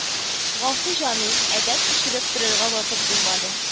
Гафу, җаный, әбәд пешереп торырга вакыт булмады